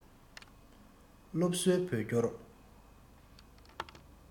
སློབ གསོའི བོད སྐྱོར